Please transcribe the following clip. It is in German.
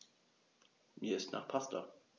Mir ist nach Pasta.